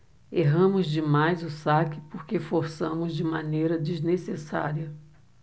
erramos demais o saque porque forçamos de maneira desnecessária